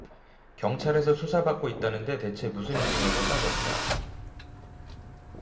경찰에서 수사받고 있다는데 대체 무슨 일이냐고 따졌다